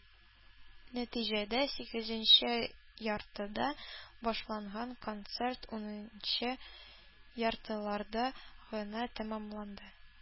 Нәтиҗәдә, сигезенче яртыда башланган концерт унынчы яртыларда гына тәмамланды.